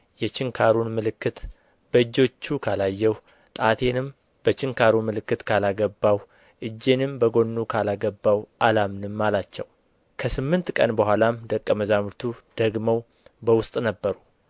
የችንካሩን ምልክት በእጆቹ ካላየሁ ጣቴንም በችንካሩ ምልክት ካላገባሁ እጄንም በጎኑ ካላገባሁ አላምንም አላቸው ከስምንት ቀን በኋላም ደቀ መዛሙርቱ ደግመው በውስጥ ነበሩ